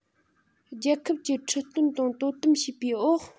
རྒྱལ ཁབ ཀྱིས ཁྲིད སྟོན དང དོ དམ བྱེད པའི འོག